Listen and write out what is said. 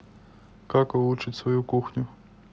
как улучшить свою кухню